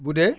bu dee